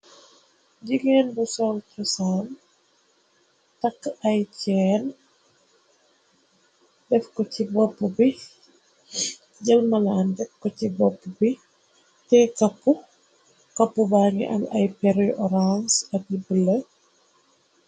Jigeen bu soltrosaan takk ay ceen def ko ci bopp bi jël malaan def ko ci bopp bi te p kappu ba ngi al ay peri orange ak libbële.